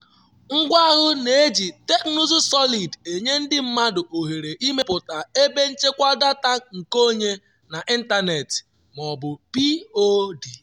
Ngwa ahụ na-eji teknụzụ Solid enye ndị mmadụ oghere imepụta “ebe nchekwa data nkeonwe n’ịntanetị” ma ọ bụ POD.